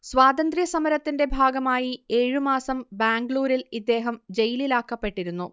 സ്വാതന്ത്ര സമരത്തിന്റെ ഭാഗമായി ഏഴുമാസം ബാംഗ്ലൂരിൽ ഇദ്ദേഹം ജയിലിലാക്കപ്പെട്ടിരുന്നു